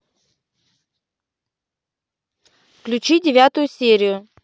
включи девятую серию